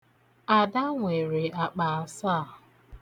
Ada nwere akpa asaa.